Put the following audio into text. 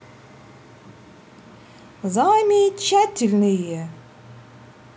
замечательные